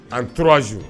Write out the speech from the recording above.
An torazo